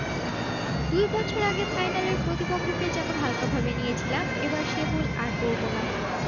দুই বছর আগে ফাইনালের প্রতিপক্ষকে যেমন হালকাভাবে নিয়েছিলাম এবার সে ভুল আর করব না